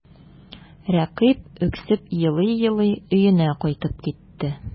Рәкыйп үксеп елый-елый өенә кайтып китте.